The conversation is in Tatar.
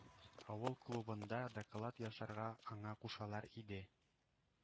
Авыл клубында доклад ясарга аңа кушалар иде.